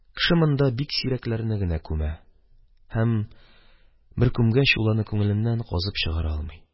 Кеше монда бик сирәкләрне генә күмә һәм, бер күмгәч, ул аны күңеленнән казып чыгара алмый